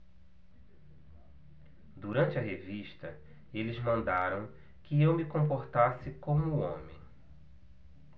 durante a revista eles mandaram que eu me comportasse como homem